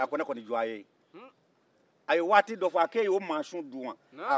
a ko ne kɔni dwaa ye e ye a ye waati dɔ fɔ ko e ye o maasu dun wa